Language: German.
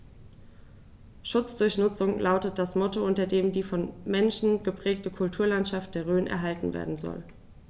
„Schutz durch Nutzung“ lautet das Motto, unter dem die vom Menschen geprägte Kulturlandschaft der Rhön erhalten werden soll.